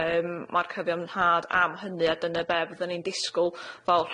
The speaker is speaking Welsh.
yym ma'r cyfiawnhad am hynny a dyna be' fyddwn ni'n disgwl fel